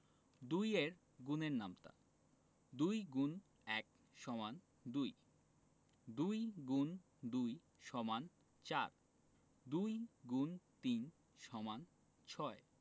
২ এর গুণের নামতা ২ X ১ = ২ ২ X ২ = ৪ ২ X ৩ = ৬